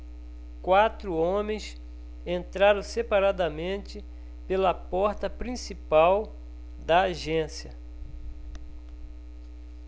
quatro homens entraram separadamente pela porta principal da agência